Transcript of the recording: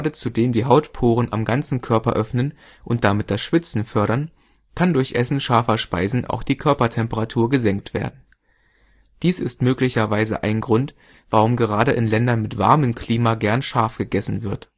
zudem die Hautporen am ganzen Körper öffnen und damit das Schwitzen fördern, kann durch Essen scharfer Speisen auch die Körpertemperatur gesenkt werden. Dies ist möglicherweise ein Grund, warum gerade in Ländern mit warmem Klima gern scharf gegessen wird